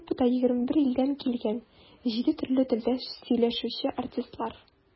Труппада - 21 илдән килгән, җиде төрле телдә сөйләшүче артистлар.